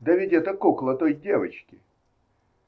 Да ведь это кукла той девочки!"